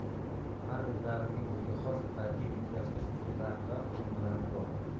har bir davrga o'ziga xos badiiy o'zlashtirish usullari va qurilmalari bor